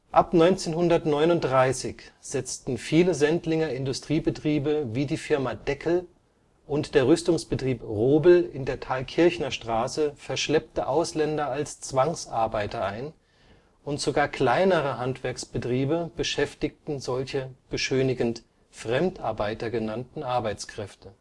Ab 1939 setzten viele Sendlinger Industriebetriebe wie die Firma Deckel und der Rüstungsbetrieb Robel in der Thalkirchnerstraße verschleppte Ausländer als Zwangsarbeiter ein, und sogar kleinere Handwerksbetriebe beschäftigten solche beschönigend „ Fremdarbeiter “genannten Arbeitskräfte